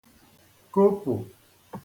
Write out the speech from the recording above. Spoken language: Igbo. -kopụ̀